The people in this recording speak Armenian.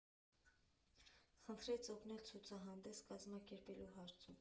Խնդրեց օգնել ցուցահանդես կազմակերպելու հարցում։